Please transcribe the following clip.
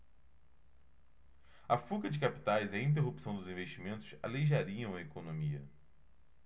a fuga de capitais e a interrupção dos investimentos aleijariam a economia